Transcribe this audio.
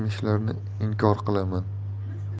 mishlarni inkor qilaman